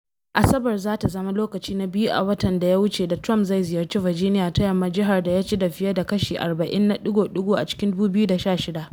Asabar za ta zama lokaci na biyu a watan da ya wuce da Trump zai ziyarci Virginia ta Yamma, jihar da ya ci da fiye da kashi 40 na ɗigo-ɗigo a cikin 2016.